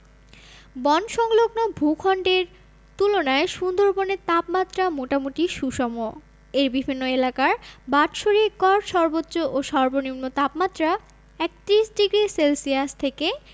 বনসংলগ্ন ভূখন্ডের তুলনায় সুন্দরবনের তাপমাত্রা মোটামুটি সুষম এর বিভিন্ন এলাকার বাৎসরিক গড় সর্বোচ্চ ও সর্বনিম্ন তাপমাত্রা ৩১ ডিগ্রি সেলসিয়াস থেকে